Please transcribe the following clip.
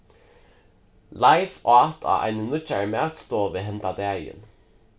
leif át á eini nýggjari matstovu henda dagin